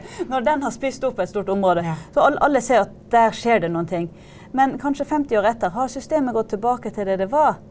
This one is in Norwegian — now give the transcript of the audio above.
når den har spist opp et stort område så så all alle ser at der skjer det noen ting, men kanskje 50 år etter har systemet gått tilbake til det det var.